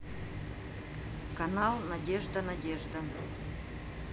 канал надежда надежда